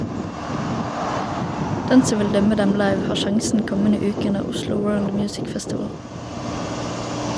Den som vil dømme dem live, har sjansen kommende uke under Oslo World Music Festival.